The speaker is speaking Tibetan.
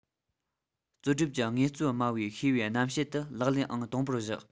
རྩོད སྒྲུབ ཀྱི དངོས གཙོ སྨྲ བའི ཤེས པའི རྣམ བཤད དུ ལག ལེན ཨང དང པོར བཞག